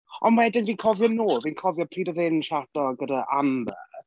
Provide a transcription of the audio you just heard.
Ond wedyn fi'n cofio'n nôl... fi'n cofio pryd oedd e'n tshato gyda Amber.